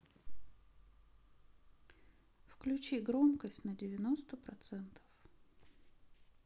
включи громкость на девяносто процентов